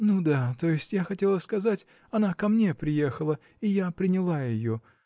-- Ну да, то есть я хотела сказать: она ко мне приехала, и я приняла ее